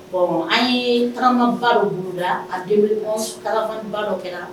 Bon an ye karamaba donda a de sutaba dɔ kɛra